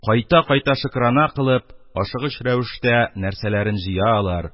Кайта-кайта шөкранә кылып, ашыгыч рәвештә нәрсәләрен җыялар